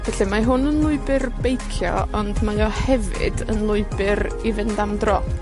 Felly, mae hwn yn lwybyr beicio, ond mae o hefyd yn lwybyr i fynd am dro.